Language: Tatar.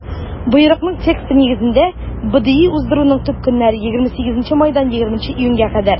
Боерыкның тексты нигезендә, БДИ уздыруның төп көннәре - 28 майдан 20 июньгә кадәр.